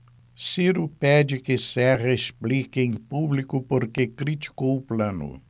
ciro pede que serra explique em público por que criticou plano